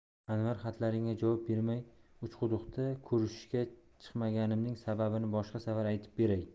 anvar xatlaringga javob bermay uchquduqda ko'rishishga chiqmaganimning sababini boshqa safar aytib beray